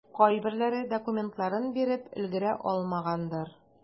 Кайберләре документларын биреп өлгерә алмагандыр.